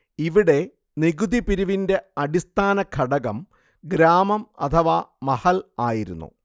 ഇവിടെ നികുതിപിരിവിന്റെ അടിസ്ഥാനഘടകം ഗ്രാമം അഥവാ മഹൽ ആയിരുന്നു